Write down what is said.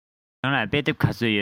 རང ལ དཔེ དེབ ག ཚོད ཡོད